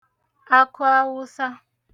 akụawụsa